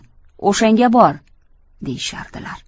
o'shanga bor deyishardilar